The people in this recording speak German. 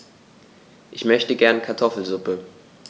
Ich möchte gerne Kartoffelsuppe.